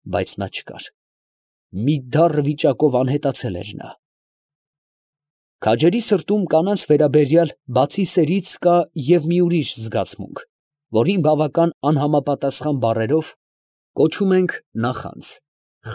Բայց նա չկար, մի դառն վիճակով անհետացել էր նա… Քաջերի սրտում, կանանց վերաբերյալ, բացի սերից կա և մի ուրիշ զգացմունք, որին բավական անհամապատասխան բառերով կոչում ենք նախանձ,